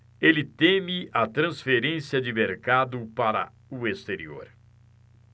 ele teme a transferência de mercado para o exterior